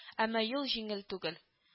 Әмма юл җиңел түгел: